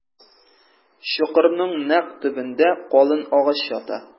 Чокырның нәкъ төбендә калын агач ята.